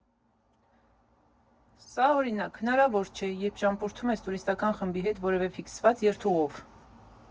Սա, օրինակ, հնարավոր չէ, երբ ճամփորդում ես տուրիստական խմբի հետ որևէ ֆիքսված երթուղով։